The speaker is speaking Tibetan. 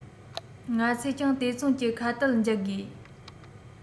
ང ཚོས ཀྱང དེ མཚུངས ཀྱི ཁ གཏད འཇལ དགོས